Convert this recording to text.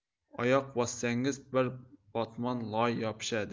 oyoq bossangiz bir botmon loy yopishadi